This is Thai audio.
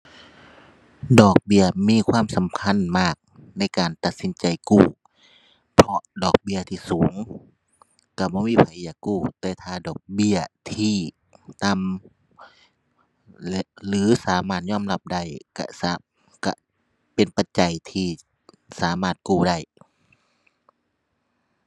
ดอกเบี้ยมีความสำคัญมากในการตัดสินใจกู้ เพราะ ดอกเบี้ยที่สูงก็บ่มีไผอยากกู้ แต่ถ้าดอกเบี้ยที่ต่ำ และ หรือสามารถยอมรับได้ ก็สา ก็เป็นปัจจัยที่สามารถกู้ได้